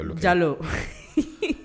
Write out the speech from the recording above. Jalo